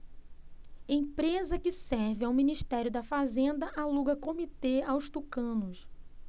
empresa que serve ao ministério da fazenda aluga comitê aos tucanos